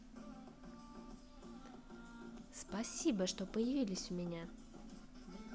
спасибо что появились у меня